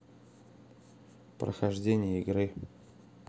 прохождение игры